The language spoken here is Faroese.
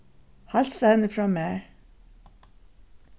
heilsa henni frá mær